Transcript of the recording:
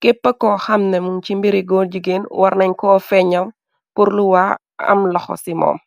képpako xamne muŋ ci mbiri góor jigeen warnañ koo feeñal, pur luwaa am loxo ci moom.